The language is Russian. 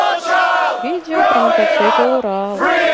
видео про мотоцикл урал